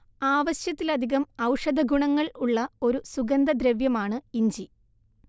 ആവശ്യത്തിലധികം ഔഷധഗുണങ്ങൾ ഉള്ള ഒരു സുഗന്ധദ്രവ്യമാണ് ഇഞ്ചി